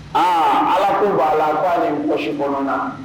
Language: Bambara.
Aa Ala ko ba la, ka poche kɔnɔ na